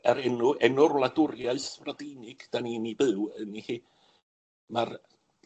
yr enw enw'r wladwriaeth Brydeinig 'dan ni'n 'i byw ynddi hi,